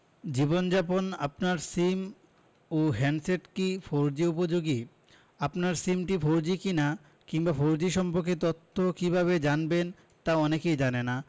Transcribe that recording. জীবনযাপন আপনার সিম ও হ্যান্ডসেট কি ফোরজি উপযোগী আপনার সিমটি ফোরজি কিনা কিংবা ফোরজি সম্পর্কে তথ্য কীভাবে জানবেন তা অনেকেই জানেন না